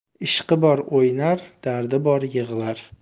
ishqi bor o'ynar dardi bor yig'lar